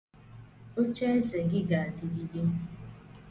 Ocheeze gị ga-adịgide.